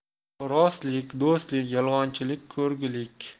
rostlik do'stlik yolg'onchilik ko'igulik